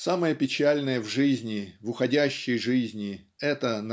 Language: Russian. Самое печальное в жизни, в уходящей жизни, это